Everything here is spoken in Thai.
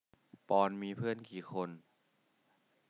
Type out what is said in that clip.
ปอนด์มีเพื่อนกี่คน